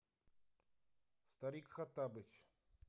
старик хоттабыч